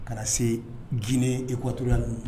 Ka se jinɛ etola ninnu